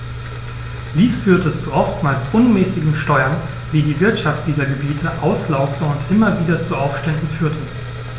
Dies führte zu oftmals unmäßigen Steuern, die die Wirtschaft dieser Gebiete auslaugte und immer wieder zu Aufständen führte.